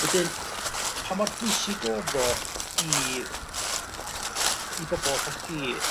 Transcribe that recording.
Wedyn pa mor bwysig oddo i... i bobol atha chdi